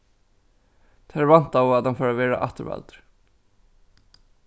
tær væntaðu at hann fór at verða afturvaldur